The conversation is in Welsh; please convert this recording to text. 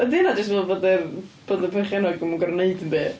Ydy hynna jyst yn meddwl bod yr bod y perchennog ddim yn gorfod wneud dim byd?